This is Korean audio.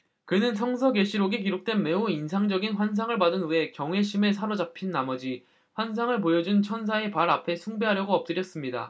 그는 성서 계시록에 기록된 매우 인상적인 환상을 받은 후에 경외심에 사로잡힌 나머지 환상을 보여 준 천사의 발 앞에 숭배하려고 엎드렸습니다